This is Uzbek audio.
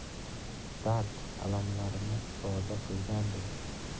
dard alamlarini ifoda qilgandek